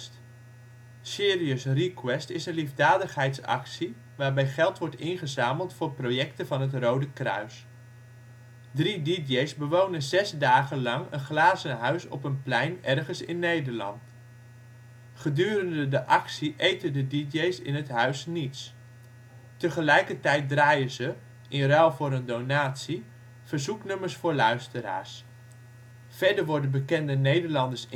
Serious Request is een liefdadigheidsactie waarbij geld wordt ingezameld voor projecten van het Rode Kruis. Drie deejays bewonen zes dagen (in 2004 vijf dagen) lang een glazen huis op een plein ergens in Nederland Gedurende de actie eten de deejays in het huis niets. Tegelijkertijd draaien ze, in ruil voor een donatie, verzoeknummers voor luisteraars. Verder worden bekende Nederlanders